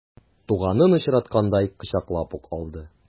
Туганын очраткандай кочаклап ук алды.